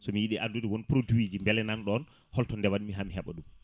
somi yiiɗi addude won produit ji beele nanɗon holto ndewanmi homi heeɓa ɗum